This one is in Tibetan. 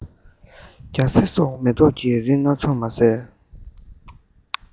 རྒྱ སེ སོགས མེ ཏོག གི རིགས སྣ ཚོགས མ ཟད